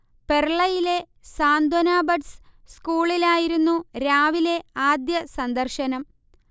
പെർളയിലെ സാന്ത്വന ബഡ്സ് സ്കൂളിലായിരുന്നു രാവിലെ ആദ്യ സന്ദർശനം